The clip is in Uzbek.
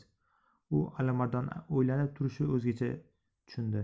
u alimardonning o'ylanib turishini o'zicha tushundi